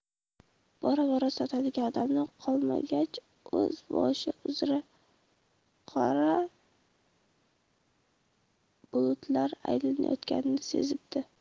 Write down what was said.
bora bora sotadigan odami qolmagach o'z boshi uzra qora bulutlar aylanayotganini sezibdi